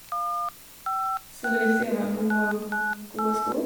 Så det er viktig å ha go gode sko.